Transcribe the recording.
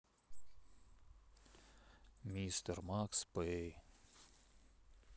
мистер макс пэй